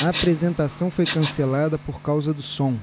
a apresentação foi cancelada por causa do som